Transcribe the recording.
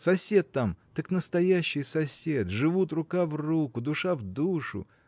Сосед там – так настоящий сосед, живут рука в руку, душа в душу